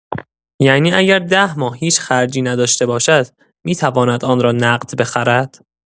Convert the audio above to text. یعنی اگر ۱۰ ماه هیچ خرجی نداشته باشد، می‌تواند آنرا نقد بخرد.